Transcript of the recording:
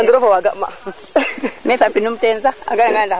nani ro fo wa gama